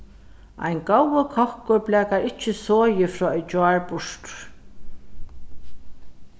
ein góður kokkur blakar ikki soðið frá í gjár burtur